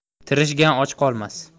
tirishgan och qolmas